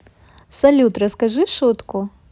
салют расскажи шутку